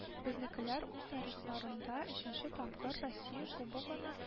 Безнекеләр үз тарихларында өченче тапкыр россия кубогына